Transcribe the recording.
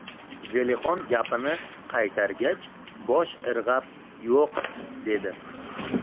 zelixon gapini qaytargach bosh irg'ab yo' o'q dedi